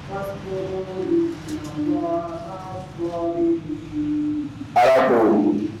Mɔ kun mɔ faama